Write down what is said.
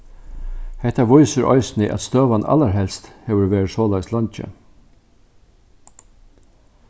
hetta vísir eisini at støðan allarhelst hevur verið soleiðis leingi